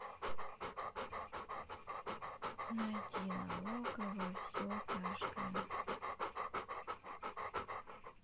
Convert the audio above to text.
найти на окко во все тяжкое